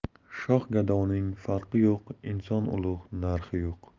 shoh gadoning farqi yo'q inson ulug' narxi yo'q